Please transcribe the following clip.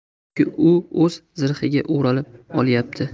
holbuki u o'z zirhiga o'ralib olyapti